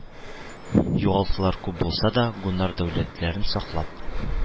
Югалтулар күп булса да, гуннар дәүләтләрен саклап